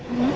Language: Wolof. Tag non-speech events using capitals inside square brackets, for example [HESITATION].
[HESITATION] [HESITATION]